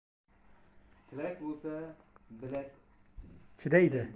tilak bo'lsa bilak chidaydi